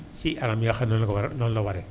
si anam yi nga xam ne lu ko war a noonu la waree